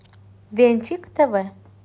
венчик тв